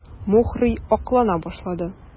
Мухрый аклана башлады.